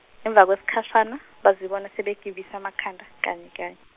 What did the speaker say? emva kwesikhashana bazibona sebegebise amakhanda kanye kanye.